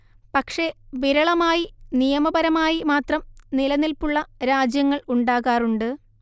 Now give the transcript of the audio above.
പക്ഷേ വിരളമായി നിയമപരമായി മാത്രം നിലനിൽപ്പുള്ള രാജ്യങ്ങൾ ഉണ്ടാകാറുണ്ട്